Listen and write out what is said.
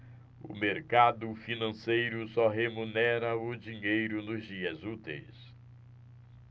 o mercado financeiro só remunera o dinheiro nos dias úteis